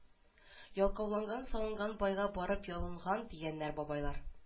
Ялкауланган-салынган байга барып ялынган дигәннәр бабайлар